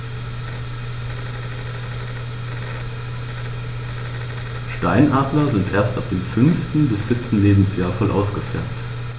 Steinadler sind erst ab dem 5. bis 7. Lebensjahr voll ausgefärbt.